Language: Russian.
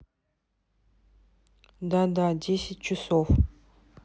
да да десять часов